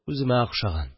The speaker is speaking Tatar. Үземә охшаган